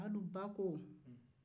madu ba ko